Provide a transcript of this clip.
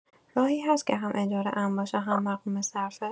راهی هست که هم اجاره امن باشه هم مقرون‌به‌صرفه؟